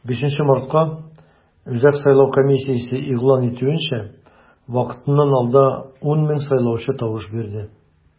5 мартка, үзәк сайлау комиссиясе игълан итүенчә, вакытыннан алда 10 мең сайлаучы тавыш бирде.